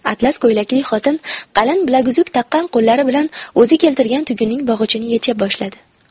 atlas ko'ylakli xotin qalin bilaguzuk taqqan qo'llari bilan o'zi keltirgan tugunning bog'ichini yecha boshladi